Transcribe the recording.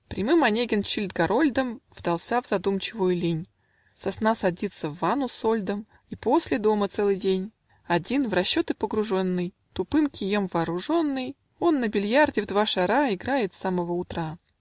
Прямым Онегин Чильд-Гарольдом Вдался в задумчивую лень: Со сна садится в ванну со льдом, И после, дома целый день, Один, в расчеты погруженный, Тупым кием вооруженный, Он на бильярде в два шара Играет с самого утра.